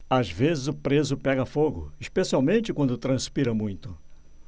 às vezes o preso pega fogo especialmente quando transpira muito